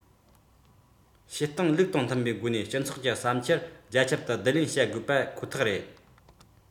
གནས ཀྱིས ཁྱོན ལ སྣེ ཁྲིད དགོས པ ཁོ ཐག རེད